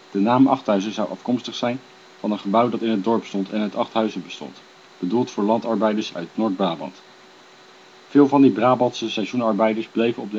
De naam Achthuizen zou afkomstig zijn van een gebouw dat in het dorp stond en uit acht huizen bestond, bedoeld voor landarbeiders uit Noord-Brabant. Veel van die Brabantse seizoenarbeiders bleven